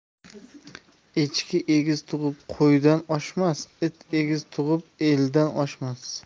echki egiz tug'ib qo'ydan oshmas it egiz tug'ib eldan oshmas